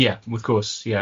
Ie wrth gwrs ie.